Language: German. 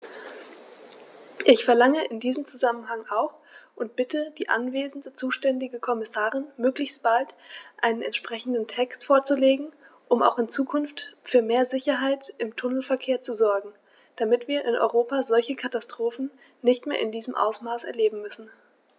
Ich verlange in diesem Zusammenhang auch und bitte die anwesende zuständige Kommissarin, möglichst bald einen entsprechenden Text vorzulegen, um auch in Zukunft für mehr Sicherheit im Tunnelverkehr zu sorgen, damit wir in Europa solche Katastrophen nicht mehr in diesem Ausmaß erleben müssen!